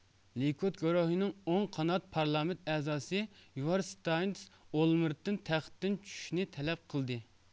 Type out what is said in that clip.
لىكۇد گۇرۇھىنىڭ ئوڭ قانات پارلامېنت ئەزاسى يۇۋار ستاينىتىس ئولمېىرتتىن تەختتىن چۈشۈشنى تەلەپ قىلدى